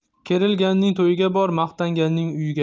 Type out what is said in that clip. kerilganning to'yiga bor maqtanganning uyiga